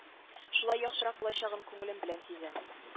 Шулай яхшырак булачагын күңелем белән сизәм